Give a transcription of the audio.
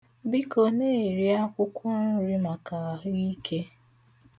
Biko na-eri akwụkwọ nri maka ahụike.